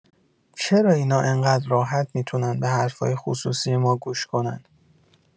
چرا اینا انقد راحت می‌تونن به حرف‌های خصوصی ما گوش کنن؟